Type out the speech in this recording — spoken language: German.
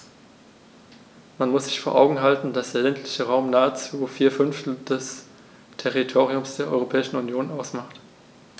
Man muss sich vor Augen halten, dass der ländliche Raum nahezu vier Fünftel des Territoriums der Europäischen Union ausmacht.